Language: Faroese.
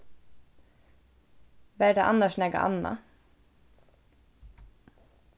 var tað annars nakað annað